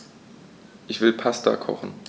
Ich will Pasta kochen.